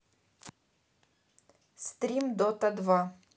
стрим дота два